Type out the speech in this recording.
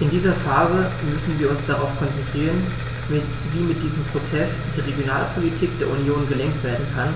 In dieser Phase müssen wir uns darauf konzentrieren, wie mit diesem Prozess die Regionalpolitik der Union gelenkt werden kann,